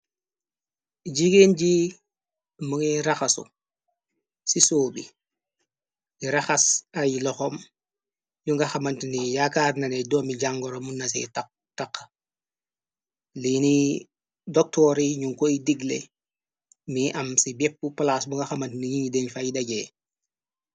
Jigéen ji mu ngay raxasu ci sow bi di raxas ay loxom yu nga xamant ni yaakaar nané doomi jàngoramu na ci taq liini doktooriy ñu koy digle mi am ci bépp palaas bu nga xamant ni ñi ngi den fay dajee.